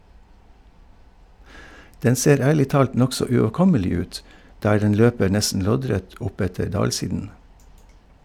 Den ser ærlig talt nokså uoverkommelig ut, der den løper nesten loddrett oppetter dalsiden.